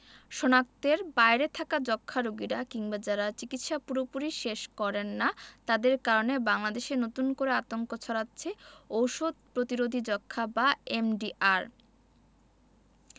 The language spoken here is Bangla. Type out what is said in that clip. শনাক্তের বাইরে থাকা যক্ষ্মা রোগীরা কিংবা যারা চিকিৎসা পুরোপুরি শেষ করেন না তাদের কারণে বাংলাদেশে নতুন করে আতঙ্ক ছড়াচ্ছে ওষুধ প্রতিরোধী যক্ষ্মা বা এমডিআর